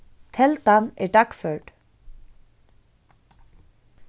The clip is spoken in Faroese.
teldan er dagførd